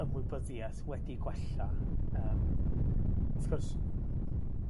ymwybyddiaeth wedi'i gwella yym wrth gwrs